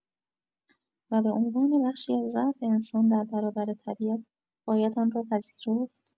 و به عنوان بخشی از ضعف انسان در برابر طبیعت باید آن را پذیرفت؟